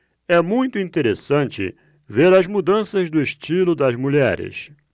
é muito interessante ver as mudanças do estilo das mulheres